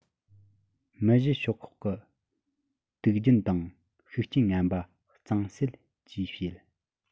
མི བཞི ཤོག ཁག གི དུག རྒྱུན དང ཤུགས རྐྱེན ངན པ གཙང སེལ བཅས བྱས